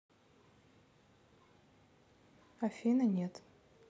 афина нет